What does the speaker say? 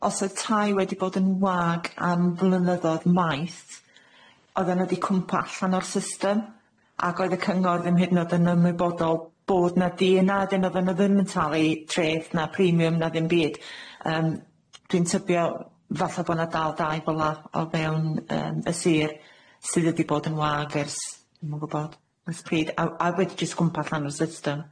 os o'dd tai wedi bod yn wag am flynyddodd maith oddan n'w 'di cwmpo allan o'r systym ag oedd y cyngor ddim hyd yn o'd yn ymwybodol bod na d- ia na oddan n'w ddim yn talu treth na primiym na ddim byd yym dwi'n tybio falla bo 'na dal dai fyla o fewn yym y sir sydd wedi bod yn wag ers dwi'm yn gwbo ers pryd a a wedi jyst cwmpo allan o'r systym.